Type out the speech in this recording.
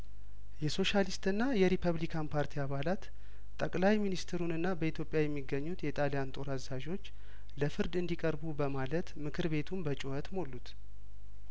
የሶሻሊስትና የሪፐብሊካን ፓርቲ አባላት ጠቅላይ ሚኒስትሩንና በኢትዮጵያ የሚገኙት የጣሊያን ጦር አዛዦች ለፍርድ እንዲቀርቡ በማለትምክር ቤቱን በጩኸት ሞሉት